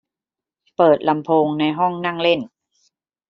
เปิดลำโพงในห้องนั่งเล่น